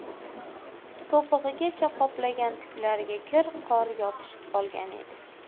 to'pig'igacha qoplagan tuklariga kir qor yopishib qolgan edi